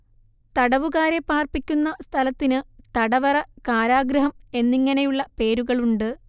തടവുകാരെ പാർപ്പിക്കുന്ന സ്ഥലത്തിന് തടവറ കാരാഗൃഹം എന്നിങ്ങനെയുള്ള പേരുകളുണ്ട്